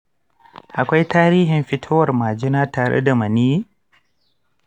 akwai tarihin fitowar majina tare da maniyyi?